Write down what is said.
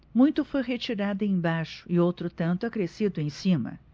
muito foi retirado embaixo e outro tanto acrescido em cima